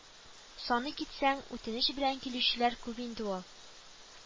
Саный китсәң, үтенеч белән килүчеләр күп инде ул